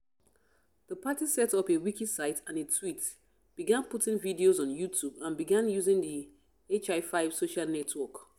The party set up a Wiki site and a tweet, began putting videos on Youtube, and began using the Hi-5 social network.